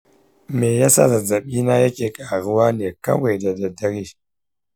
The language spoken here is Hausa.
me yasa zazzabina yake ƙaruwa ne kawai da dare?